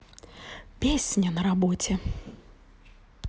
песня на работе